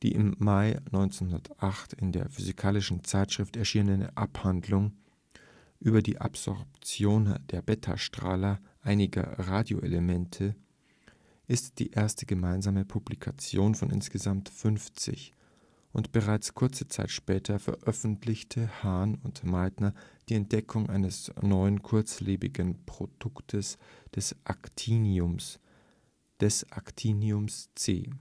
im Mai 1908 in der Physikalischen Zeitschrift erschienene Abhandlung Über die Absorption der Beta-Strahlen einiger Radioelemente ist die erste gemeinsame Publikation (von insgesamt 50), und bereits kurze Zeit später veröffentlichten Hahn und Meitner die Entdeckung eines neuen kurzlebigen Produktes des Actiniums, des Actinium C.